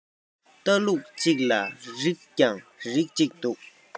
ལྟ ལུགས གཅིག ལ རིགས ཀྱང རིགས གཅིག འདུག